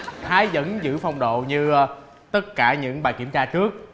thái vẫn giữ phong độ như a tất cả những bài kiểm tra trước